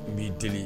N b'i deli